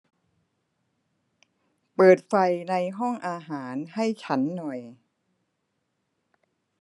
เปิดไฟในห้องอาหารให้ฉันหน่อย